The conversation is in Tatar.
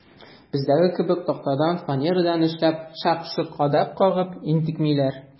Бездәге кебек тактадан, фанерадан эшләп, шак-шок кадак кагып интекмиләр.